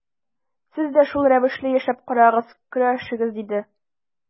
Сез дә шул рәвешле яшәп карагыз, көрәшегез, диде.